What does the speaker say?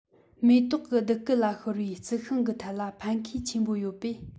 མེ ཏོག གི རྡུལ རྐུ ལ ཤོར བའི རྩི ཤིང གི ཐད ལ ཕན ཁེ ཆེན པོ ཡོད པས